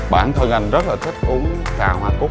bản thân anh rất là thích uống trà hoa cúc